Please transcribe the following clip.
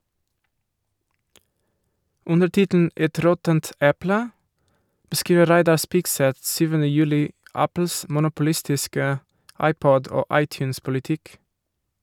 Under tittelen «Et råttent eple» beskriver Reidar Spigseth 7. juli Apples monopolistiske iPod- og iTunes-politikk.